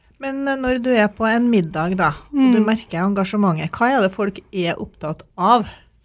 men når du er på en middag da og du merker engasjementet hva er det folk er opptatt av?